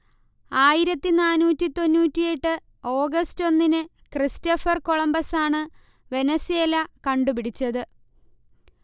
ആയിരത്തി നാന്നൂറ്റി തൊണ്ണൂറ്റിയെട്ട് ഓഗസ്റ്റ് ഒന്നിനു ക്രിസ്റ്റഫർ കൊംളമ്പസാണു വെനസ്വേല കണ്ടുപിടിച്ചത്